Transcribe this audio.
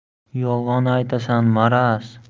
yolg'on aytasan maraz